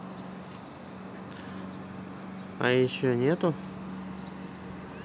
а еще нету